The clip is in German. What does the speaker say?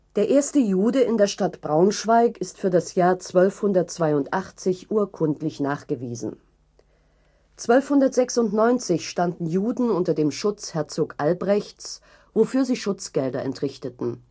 Der erste Jude in der Stadt Braunschweig ist für das Jahr 1282 urkundlich nachgewiesen. 1296 standen Juden unter dem Schutz Herzog Albrechts, wofür sie Schutzgelder entrichteten